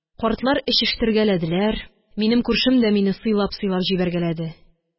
Картлар эчештергәләделәр, минем күршем дә мине сыйлап-сыйлап җибәргәләде.